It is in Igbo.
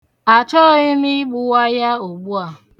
Achọghị m igbuwa ya ugbu a.